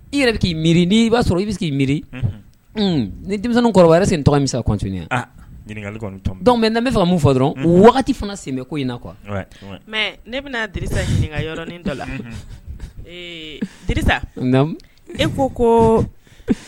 I yɛrɛ k'i miiri n'i b'a sɔrɔ i bɛ k'i miiri ni denmisɛn kɔrɔ yɛrɛ se tɔgɔ minsa mɛ n ne bɛ fa mun fɔ dɔrɔn wagati fana sen ko in na kuwa mɛ ne bɛnasakaɔrɔnin dɔ la disa e ko ko